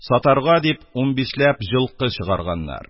Сатарга дип, унбишләп җылкы чыгарганнар